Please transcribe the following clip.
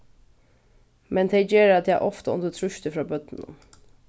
men tey gera tað ofta undir trýsti frá børnunum